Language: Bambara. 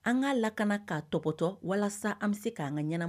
An k kaa lakana k'a tɔgɔtɔ walasa an bɛ se k' an ka ɲɛnama